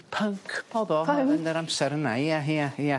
pync o'dd o yn yn yr amser yna ia ia. Ia...